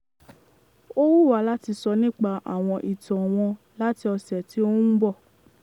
Ó wù wá láti sọ nípa àwọn ìtàn wọn láti ọ̀sẹ̀ tí ó ń bọ̀.